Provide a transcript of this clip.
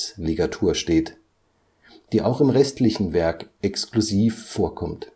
ſſ-Ligatur steht, die auch im restlichen Werk exklusiv vorkommt